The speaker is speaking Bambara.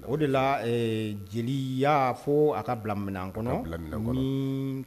O de la jeli ya fo a ka bila minɛnan kɔnɔ